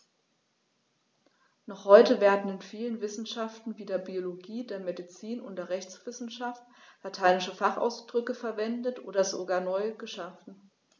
Noch heute werden in vielen Wissenschaften wie der Biologie, der Medizin und der Rechtswissenschaft lateinische Fachausdrücke verwendet und sogar neu geschaffen.